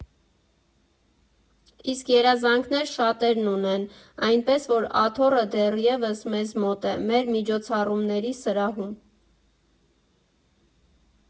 Իսկ երազանքներ շատերն ունեն, այնպես որ Աթոռը դեռևս մեզ մոտ է՝ մեր միջոցառումների սրահում։